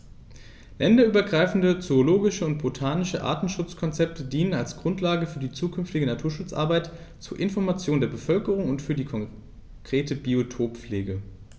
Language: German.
Länderübergreifende zoologische und botanische Artenschutzkonzepte dienen als Grundlage für die zukünftige Naturschutzarbeit, zur Information der Bevölkerung und für die konkrete Biotoppflege.